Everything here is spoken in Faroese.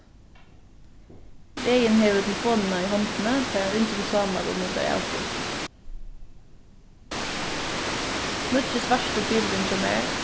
regin hevur telefonina í hondini tá ið hann ringir til sámal og meldar avboð nýggi svarti bilurin hjá mær